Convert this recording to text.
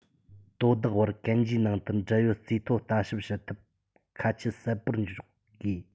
དོ བདག བར གན རྒྱའི ནང དུ འབྲེལ ཡོད རྩིས ཐོ ལྟ ཞིབ བྱེད ཐབས ཁ ཆད གསལ པོར འཇོག དགོས